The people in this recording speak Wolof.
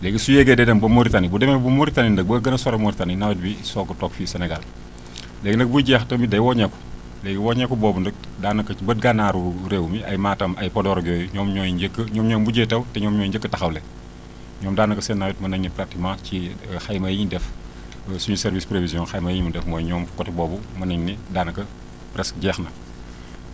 léegi su yéegee day dem ba Mauritanie bu demee ba Mauritanie nag booy gën a sori Mauritanie nawet bi soog a toog fii Sénégal léegi nag buy jeex tamit day wëññeeku léegi bu wëññeeku boobu nag daanaka ba gànnaaru réew mi ay Matam ay Podor ak yooyu ñoom ñooy njëkk a ñoom ñooy mujjee taw te ñoom ñooy njëkk a taxawle ñoom daanaka seen nawet mën nañ ne pratiquement ci xayma yi ñu def suñu service prévision xayma yi mu def mooy ñoom côté boobu mën nañu ni daanaka presque jeex na